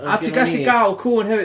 A ti'n gallu cael cŵn hefyd.